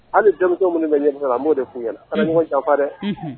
Hali denmisɛn minnu bɛ n bɛ o de f’u ɲɛna aw ka na ɲɔgɔn janfa dɛ